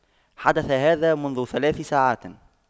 حدث هذا منذ ثلاث ساعات